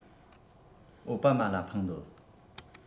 ཨའོ པ མ ལ འཕངས འདོད